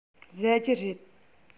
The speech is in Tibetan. ཟ རྒྱུ རེད